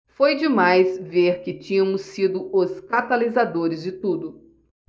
foi demais ver que tínhamos sido os catalisadores de tudo